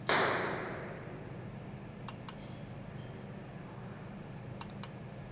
запиши меня в женский салон красоты